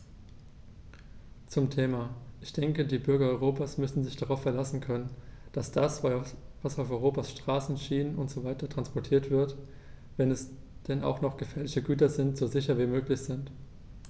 Zum Thema: Ich denke, die Bürger Europas müssen sich darauf verlassen können, dass das, was auf Europas Straßen, Schienen usw. transportiert wird, wenn es denn auch noch gefährliche Güter sind, so sicher wie möglich ist.